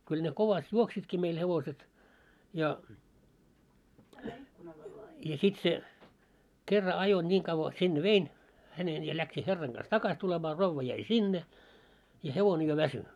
kyllä ne kovasti juoksivatkin meillä hevoset ja ja sitten se kerran ajoi niin kauan sinne vein hänen ja lähti herran kanssa takaisin tulemaan rouva jäi sinne ja hevonen jo väsyi